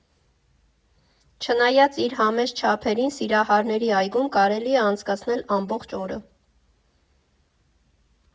Չնայած իր համեստ չափերին, Սիրահարների այգում կարելի է անցկացնել ամբողջ օրը։